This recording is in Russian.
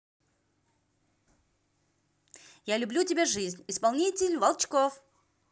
я люблю тебя жизнь исполнитель волчков